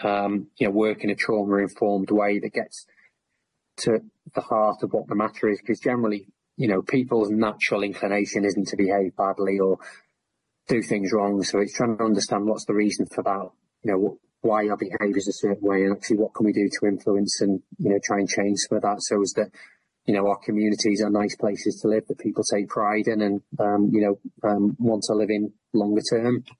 um y'know work in a trauma-informed way that gets to the heart of what the matter is, cause generally y'know people's natural inclination isn't to behave badly or do things wrong, so it's trying to understand what's the reason for that y'know wh- why our behaviour's a certain way and actually what can we do to influence and y'know try and change some of that so as that y'know our communities are nice places to live, that people take pride in, and y'know y'know want to live in longer term.